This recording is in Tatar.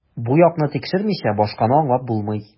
Бу якны тикшермичә, башканы аңлап булмый.